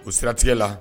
O siratigɛ la